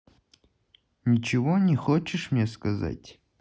ничего не хочешь мне сказать